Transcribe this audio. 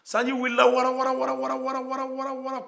sanji wulila wara wara wara